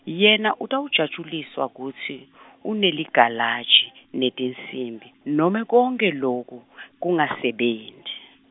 yena utawujatjuliswa kutsi , uneligalaji, netinsimbi, nome konkhe loku , kungasebenti.